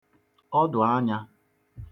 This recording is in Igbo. ọdụ̀ anyā